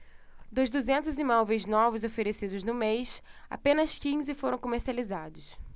dos duzentos imóveis novos oferecidos no mês apenas quinze foram comercializados